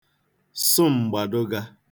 sụ m̀gbàdụgā